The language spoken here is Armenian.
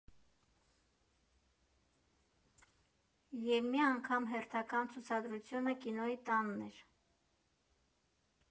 Եվ մի անգամ հերթական ցուցադրությունը Կինոյի տանն էր։